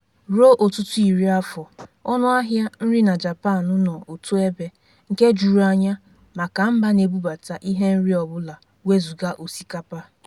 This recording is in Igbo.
Ruo ọtụtụ iri afọ, ọnụahịa nri na Japan nọ otu ebe, nke juru anya maka mba na-ebubata ihe nri ọbụla wezuga osikapa.